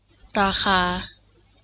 ราคา